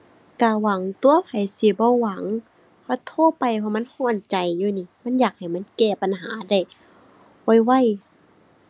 ก็หวังตั่ว ไผสิบ่หวัง โทรไป เพราะมันก็ใจอยู่หนิ มันอยากให้มันแก้ปัญหาได้ไวไว